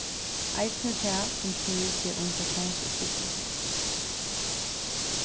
eisini tað sum snýr seg um persónsupplýsingar